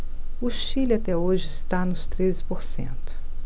o chile até hoje está nos treze por cento